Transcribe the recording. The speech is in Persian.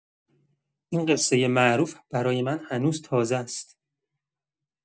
این قصه معروف برای من هنوز تازه‌ست.